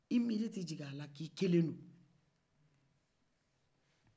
i miri te jig'ala ko e kelen do